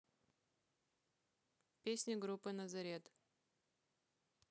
песни группы nazareth